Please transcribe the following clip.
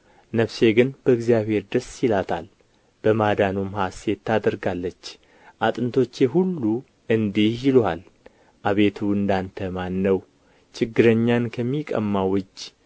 ነፍሴ ግን በእግዚአብሔር ደስ ይላታል በማዳኑም ሐሴት ታደርጋለች አጥንቶቼ ሁሉ እንዲህ ይሉሃል አቤቱ እንደ አንተ ማን ነው ችግረኛን ከሚቀማው እጅ